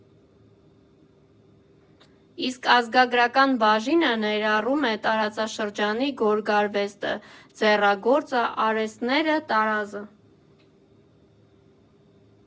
Իսկ ազգագրական բաժինը ներառում է տարածաշրջանի գորգարվեստը, ձեռագործը, արհեստները, տարազը։